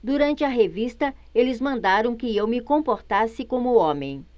durante a revista eles mandaram que eu me comportasse como homem